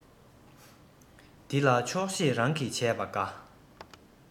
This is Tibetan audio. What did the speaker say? འདི ལ ཆོག ཤེས རང གིས བྱས པ དགའ